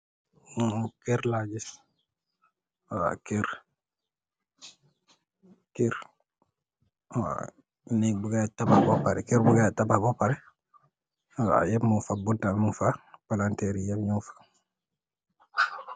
Ehu kerr la giss waw kerr, kerr waw neek bu gayee tabah ba pareh kerr bu gayee tabah be pareh waw yep mugfa bunta mugfa palanterr yep mugfa.